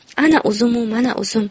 ana uzumu mana uzum